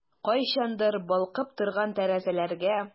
Кайчандыр балкып торган тәрәзәләргә...